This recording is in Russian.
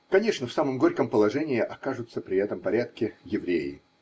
Конечно, в самом горьком положении окажутся при этом порядке евреи.